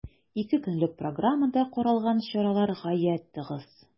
Ике көнлек программада каралган чаралар гаять тыгыз.